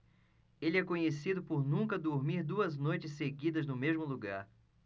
ele é conhecido por nunca dormir duas noites seguidas no mesmo lugar